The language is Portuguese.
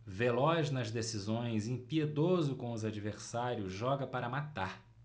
veloz nas decisões impiedoso com os adversários joga para matar